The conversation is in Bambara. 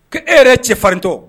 ' e yɛrɛ cɛfarintɔ